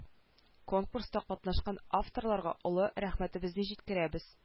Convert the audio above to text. Конкурста катнашкан авторларга олы рәхмәтебезне җиткерәбез